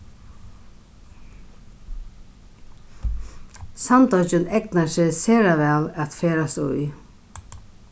sandoyggin egnar seg sera væl at ferðast í